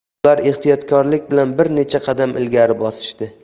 ular ehtiyotlik bilan bir necha qadam ilgari bosishdi